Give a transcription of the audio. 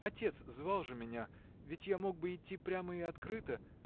отец звал же меня; ведь я мог бы идти прямо и открыто.